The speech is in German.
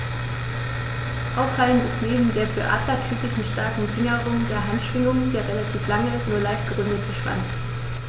Auffallend ist neben der für Adler typischen starken Fingerung der Handschwingen der relativ lange, nur leicht gerundete Schwanz.